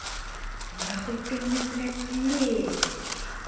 нахуй ты мне блядь лезешь